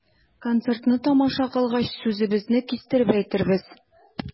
Концертны тамаша кылгач, сүзебезне кистереп әйтербез.